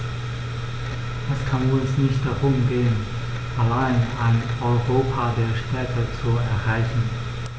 Es kann uns nicht darum gehen, allein ein Europa der Städte zu errichten.